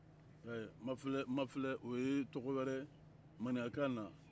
i y'a ye wa mafɛlɛ o ye tɔgɔ wɛrɛ ye maninkakan na